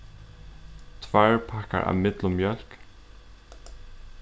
tveir pakkar av millummjólk